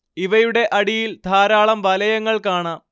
ഇവയുടെ അടിയിൽ ധാരാളം വലയങ്ങൾ കാണാം